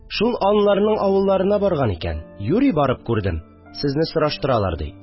Шул аларның авылларына барган икән, юри барып күрдем, сезне сораштылар, ди